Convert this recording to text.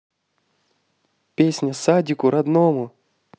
песня садику родному